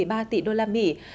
ba tỷ đô la mỹ